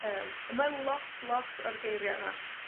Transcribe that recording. Yym, a mae lot, lot o'r geiria' yma.